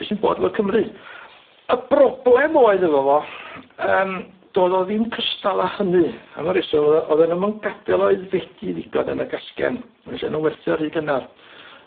Be' sy'n bod efo Cymru? Y broblem oedd efo fo yym doedd o ddim cystal â hynny am y reswm o'dd o o'dd e ddim yn gad'el o aeddfedu ddigon yn y gasgen felly o'n nw'n werthi o rhy gynnar.